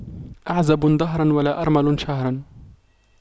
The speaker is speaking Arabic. أعزب دهر ولا أرمل شهر